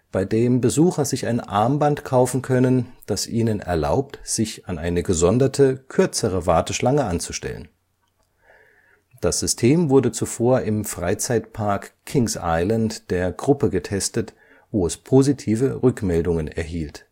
bei dem Besucher sich ein Armband kaufen können, das ihnen erlaubt, sich an eine gesonderte, kürzere Warteschlange anzustellen. Das System wurde zuvor im Freizeitpark Kings Island der Gruppe getestet, wo es positive Rückmeldungen erhielt